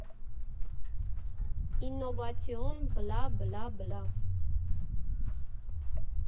Իննովացիոն բլա բլա բլա։